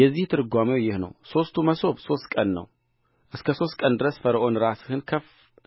የዚህ ትርጓሜው ይህ ነው ሦስቱ መሶብ ሦስት ቀን ነው እስከ ሦስት ቀን ድረስ ፈርዖን ራስህን ከፍ